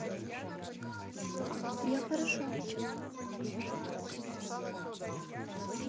я хорошо